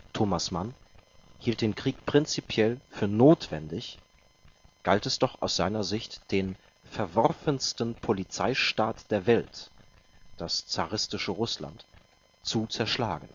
Thomas Mann hielt den Krieg prinzipiell für notwendig, galt es doch aus seiner Sicht, den „ verworfensten Polizeistaat der Welt “– das zaristische Russland –„ zu zerschlagen